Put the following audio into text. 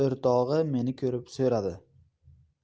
o'rtog'i meni ko'rib so'radi